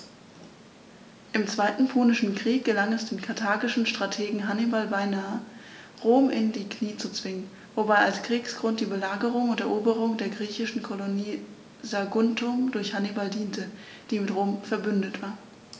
Im Zweiten Punischen Krieg gelang es dem karthagischen Strategen Hannibal beinahe, Rom in die Knie zu zwingen, wobei als Kriegsgrund die Belagerung und Eroberung der griechischen Kolonie Saguntum durch Hannibal diente, die mit Rom „verbündet“ war.